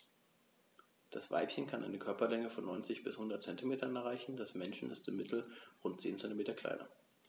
Das Weibchen kann eine Körperlänge von 90-100 cm erreichen; das Männchen ist im Mittel rund 10 cm kleiner.